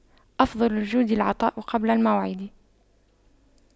أفضل الجود العطاء قبل الموعد